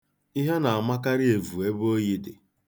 Ihe na-amakarị evu ebe oyi dị.